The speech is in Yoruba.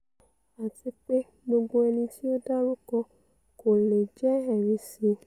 'Àtipe gbogbo ẹnití ó dárúkọ̀ kò leè jẹ́ ẹ̀ri sí i.